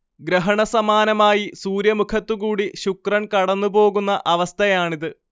ഗ്രഹണസമാനമായി സൂര്യമുഖത്തുകൂടി ശുക്രൻ കടന്നുപോകുന്ന അവസ്ഥയാണിത്